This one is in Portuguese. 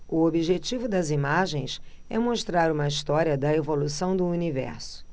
o objetivo das imagens é mostrar uma história da evolução do universo